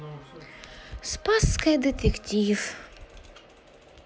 спасская детектив